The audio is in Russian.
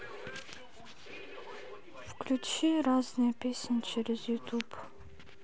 включи разные песни через ютуб